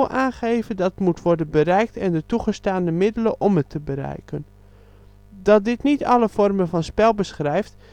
aangeven dat moet worden bereikt en de toegestane middelen om het te bereiken. ". Dat dit niet alle vormen van spel beschrijft